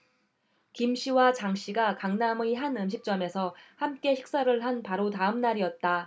김 씨와 장 씨가 강남의 한 음식점에서 함께 식사를 한 바로 다음 날이었다